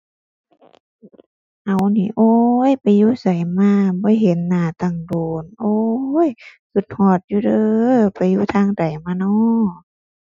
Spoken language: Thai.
เอ้า นี่ โอ้ย ไปอยู่ไสมา บ่เห็นหน้าตั้งโดน โอ้ย คิดฮอดอยู่เด้อ ไปอยู่ทางใดมาน้อ